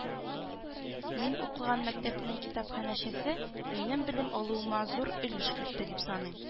Мин укыган мәктәпнең китапханәчесе минем белем алуыма зур өлеш кертте дип саныйм